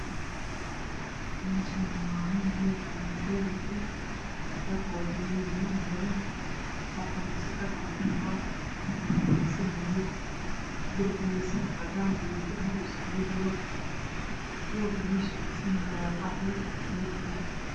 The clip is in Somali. Messhan waa meel hool.ah oo misaajid ah waxaa joogo niman badan oo qamiisyo cad cad wataan iyo qamiisyo madow darbigiisana cadaan iyo dahabi iskugu jiro rooga meesha fidsana waa qaxwi buluug